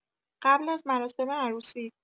قبل از مراسم عروسی